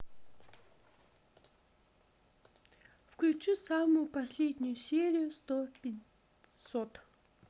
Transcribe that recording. включи самую последнюю серию сто пятьсот